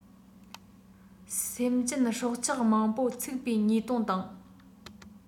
སེམས ཅན སྲོག ཆགས མང པོ འཚིགས པའི ཉེས ལྟུང དང